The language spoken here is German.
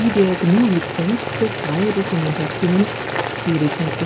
GNU Lizenz für freie Dokumentation. ENIAC auf einem Bild der US-Armee Der